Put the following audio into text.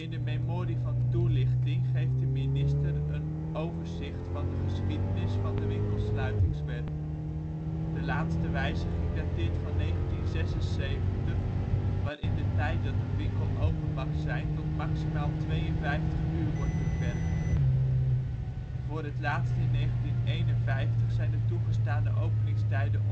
de Memorie van toelichting geeft de minister een overzicht van de geschiedenis van de Winkelsluitingswet. De laatste wijziging dateert van 1976, waarin de tijd dat een winkel open mag zijn tot maximaal 52 uur wordt beperkt. Voor het laatst in 1951 zijn de toegestane openingstijden